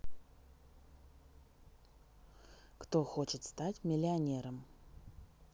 кто хочет стать миллионером